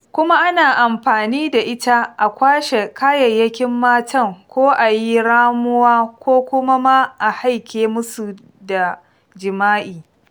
Kuma ana amfani da ita a kwashe kayayyakin matan ko a yi ramuwa ko kuma ma a haike musu da jima'i.